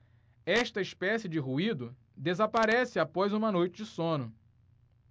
esta espécie de ruído desaparece após uma noite de sono